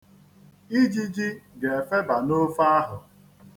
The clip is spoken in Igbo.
Ijiji ga-efeba n'ofe ahụ.